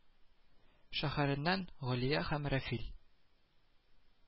Шәһәреннән галия һәм рәфил